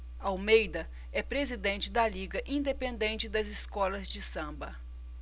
almeida é presidente da liga independente das escolas de samba